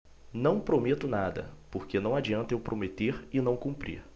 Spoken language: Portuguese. não prometo nada porque não adianta eu prometer e não cumprir